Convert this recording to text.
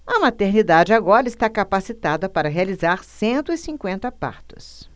a maternidade agora está capacitada para realizar cento e cinquenta partos